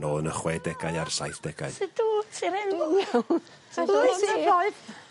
...nôl yn y chwedegau a'r saith degau. Sut w't ti'r 'en. Dwi'n iawn.